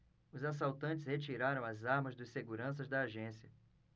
os assaltantes retiraram as armas dos seguranças da agência